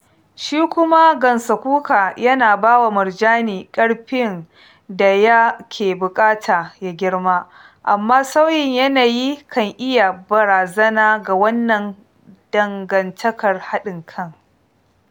Shi kuma gansakuka yana ba wa murjani ƙarfin da ya ke buƙata ya girma, amma sauyin yanayi kan iya barazana ga wannan dangantakar haɗin kai.